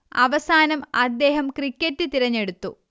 അവസാനം അദ്ദേഹം ക്രിക്കറ്റ് തിരെഞ്ഞെടുത്തു